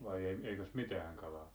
vai eikös mitään kalaa